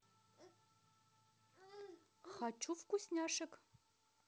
хочу вкусняшек